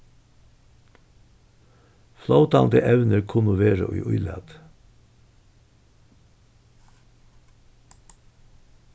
flótandi evnir kunnu vera í ílati